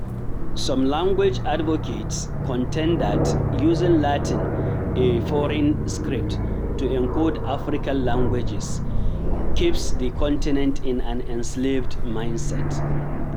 Some language advocates contend that using Latin, a foreign script, to encode African languages, keeps the continent in an enslaved mindset.